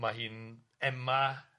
Ma' hi'n ema